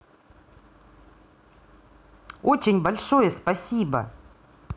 очень большое спасибо